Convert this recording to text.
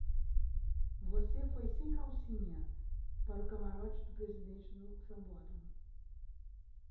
você foi sem calcinha para o camarote do presidente no sambódromo